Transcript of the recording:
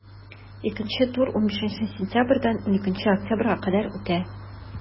Икенче тур 15 сентябрьдән 12 октябрьгә кадәр үтә.